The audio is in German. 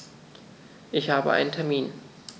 Ich habe einen Termin.